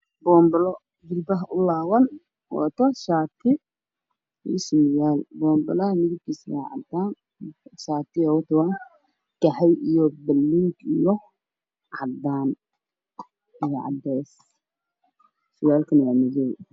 Waa boonbale midabkiisu yahay caddaan waxaa dhex yaalla shati midabkiisii yahay qaxwi cadaan madow lugaha waa madow darbiga waa cadays